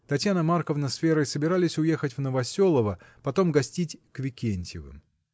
Татьяна Марковна с Верой собирались уехать в Новоселово, потом гостить к Викентьевым.